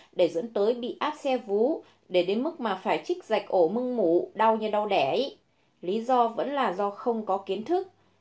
để dẫn tới bị áp xe vú để đến mức mà phải trích rạch ổ mưng mủ đau như đau đẻ ý lý do vẫn là do không có kiến thức